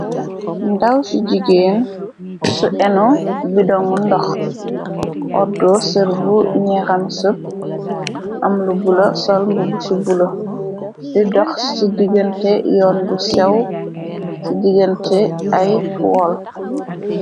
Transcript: Ndaw ci jigeen su enu bidongu ndox oddo ser bu ñeexam sëp, am lu bula sol mbu bu su bula di dox ci digante yoon bu sew ci digante ay tool.